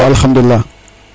barikal alkhadoulilah